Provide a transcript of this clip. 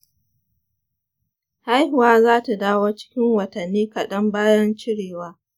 haihuwa za ta dawo cikin watanni kaɗan bayan cirewa.